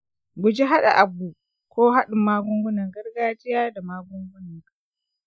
guji haɗa agbo ko haɗin magungunan gargajiya da magungunan ka.